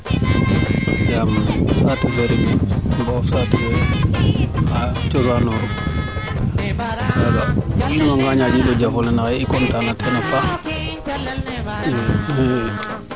yaam saate fe reend o bo of saate fee a cosaanoru yaaga o in wanaga ñanjid o jafo lene xaye i content na teen a paax i